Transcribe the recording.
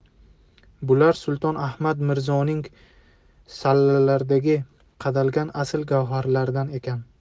bular sulton ahmad mirzoning sallalariga qadalgan asl gavharlardan ekan